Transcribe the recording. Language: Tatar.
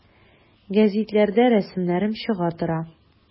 Гәзитләрдә рәсемнәрем чыга тора.